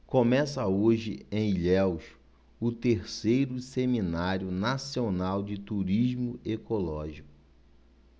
começa hoje em ilhéus o terceiro seminário nacional de turismo ecológico